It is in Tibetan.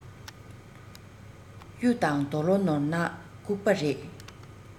གཡུ དང དོ ལོ ནོར ན ལྐུགས པ རེད